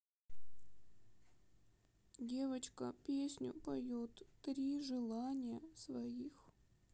девочка песню поет три желания своих